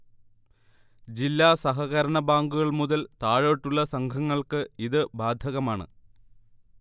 ജില്ലാ സഹകരണ ബാങ്കുകൾമുതൽ താഴോട്ടുള്ള സംഘങ്ങൾക്ക് ഇത് ബാധകമാണ്